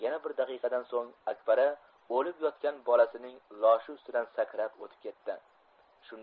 yana bir daqiqadan so'ng akbara o'lib yotgan bolasining loshi ustidan sakrab o'tib ketdi